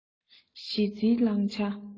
གཞི རྩའི བླང བྱ